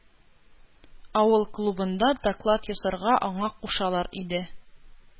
Авыл клубында доклад ясарга аңа кушалар иде.